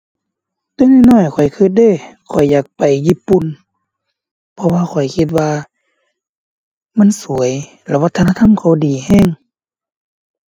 แต่น้อยน้อยข้อยคิดเดะ ข้อยอยากไปญี่ปุ่น เพราะว่าข้อยคิดว่ามันสวย แล้ววัฒนธรรมเขาดีคิด